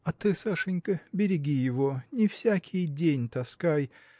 А ты, Сашечка, береги его, не всякий день таскай